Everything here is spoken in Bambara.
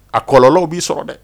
A kɔlɔlɔw b'i sɔrɔ dɛ